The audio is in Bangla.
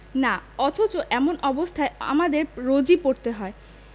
না অথচ এমন অবস্থায় অমিদের প্রায় রোজই পড়তে হয়